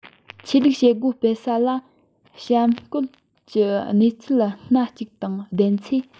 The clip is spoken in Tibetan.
ཆོས ལུགས བྱེད སྒོ སྤེལ ས ལ གཤམ བཀོད ཀྱི གནས ཚུལ སྣ གཅིག དང ལྡན ཚེ